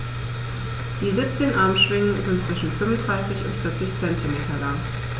Die 17 Armschwingen sind zwischen 35 und 40 cm lang.